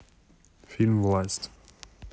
фильм власть